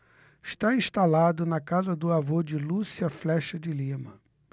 está instalado na casa do avô de lúcia flexa de lima